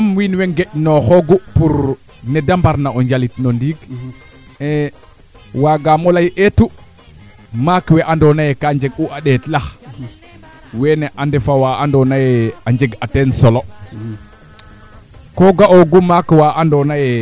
maaak we a jega xa axa xaa ando naye mene i ndefna sax ndiiki teɓanong ke ke xotit na na mi a gara laŋ oxu andeer na terre neuf fee nan nena Koupentoum